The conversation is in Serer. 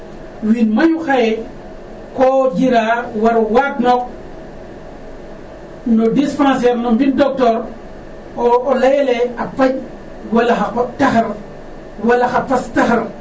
Wiin mayu xaye ko jiraa war o waadnook no dispensaire no mbind doktor o layel ee a paƴ wala xa qoƥ taxar o wala xa past taxar o